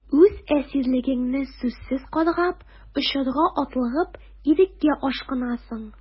Үз әсирлегеңне сүзсез каргап, очарга атлыгып, иреккә ашкынасың...